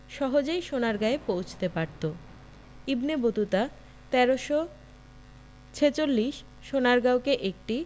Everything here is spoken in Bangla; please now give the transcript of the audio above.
সহজেই সোনারগাঁয়ে পৌঁছতে পারত ইবনে বতুতা ১৩৪৬ সোনারগাঁওকে একটি